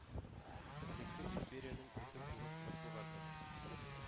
Элекке империянең бөтен урыс матбугаты,